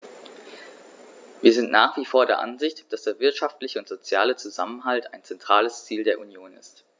Wir sind nach wie vor der Ansicht, dass der wirtschaftliche und soziale Zusammenhalt ein zentrales Ziel der Union ist.